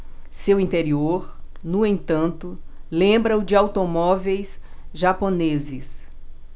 seu interior no entanto lembra o de automóveis japoneses